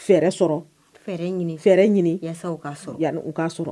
Fɛɛrɛ sɔrɔ fɛrɛɛrɛ ka yan u k'a sɔrɔ